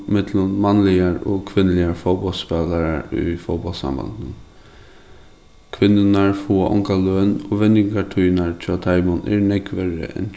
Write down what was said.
millum mannligar og kvinnuligar fótbóltsspælarar í fótbóltssambandinum kvinnurnar fáa onga løn og venjingartíðirnar hjá teimum eru nógv verri enn